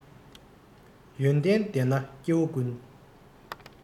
ཡོན ཏན ལྡན ན སྐྱེ བོ ཀུན